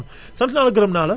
sant naa la gërëm naa la